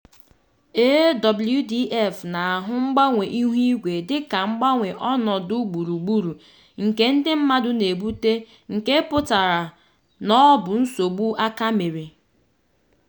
AWDF na-ahụ mgbanwe ihu igwe dịka mgbanwe ọnọdụ gburugburu, nke ndị mmadụ na-ebute—nke pụtara na ọ bụ nsogbu aka mere.